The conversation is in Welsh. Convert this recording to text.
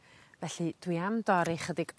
felly dwi am dorri chydig